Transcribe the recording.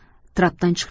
trapdan chiqib